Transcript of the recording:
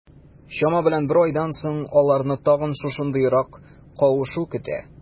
Чама белән бер айдан соң, аларны тагын шушындыйрак кавышу көтә.